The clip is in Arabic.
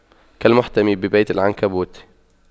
كالمحتمي ببيت العنكبوت